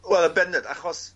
Wel yn bendant achos